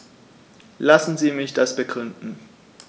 Lassen Sie mich das begründen.